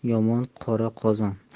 bo'ston yomon qora qozon